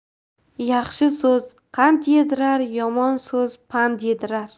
yaxshi so'z qand yedirar yomon so'z pand yedirar